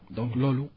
donc loolu